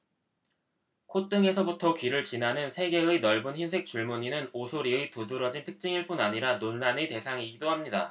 콧등에서부터 귀를 지나는 세 개의 넓은 흰색 줄무늬는 오소리의 두드러진 특징일 뿐 아니라 논란의 대상이기도 합니다